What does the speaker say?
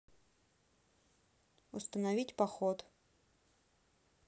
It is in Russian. установить поход